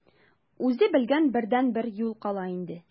Үзе белгән бердәнбер юл кала инде.